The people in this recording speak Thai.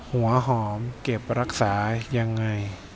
หัวหอมเก็บรักษายังไง